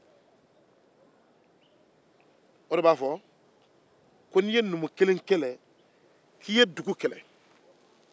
o de la u b'a fɔ ko n'i ye numu kelen kɛlɛ k'i ye dugu kɛlɛ